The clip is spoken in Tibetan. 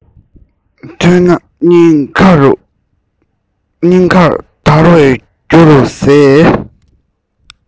ཐོས ན སྙིང ཁ འདར བའི རྒྱུ རུ ཟད